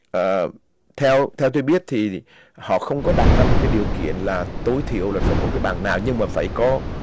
ờ theo theo tôi biết thì họ không có đặt ra một cái điều kiện là túi thiểu luật phải có cái bằng nào nhưng mà phải có